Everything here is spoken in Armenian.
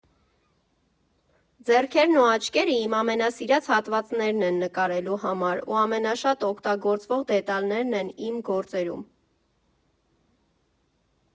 Ձեռքերն ու աչքերը իմ ամենասիրած հատվածներն են նկարելու համար ու ամենաշատ օգտագործվողն դետալներն են իմ գործերում։